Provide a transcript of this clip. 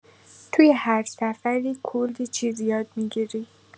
توی هر سفری کلی چیز یاد می‌گیری.